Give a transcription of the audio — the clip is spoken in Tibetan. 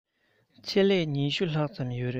ཆེད ལས ༢༠ ལྷག ཙམ ཡོད རེད